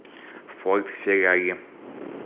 форд феррари